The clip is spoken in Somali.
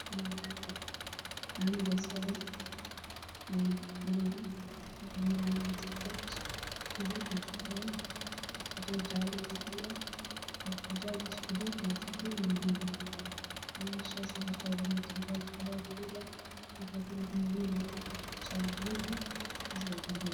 Waa laami ga waxaa maraya bajaaj midooday roob ayaa ku da-ay laamiga midabkiisa waa madow